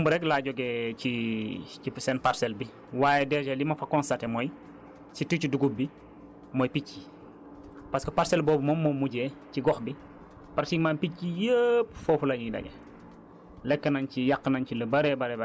léegi ñun ak ISRA ISRA démb rekk laa jógee ci ci seen parcelle bi waaye DG li ma fa constater mooy surtout ci dugub bi mooy picc parce que parcelle boobu moom moo mujjee ci gox bi pratiquement picc yépp foofu la ñuy daje